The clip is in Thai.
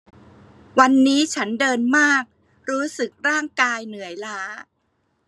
วันนี้ฉันเดินมากรู้สึกร่างกายเหนื่อยล้า